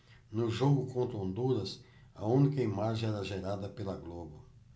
no jogo contra honduras a única imagem era gerada pela globo